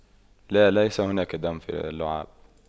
لا ليس هناك دم في اللعاب